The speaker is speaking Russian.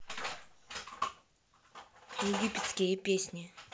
египетские песни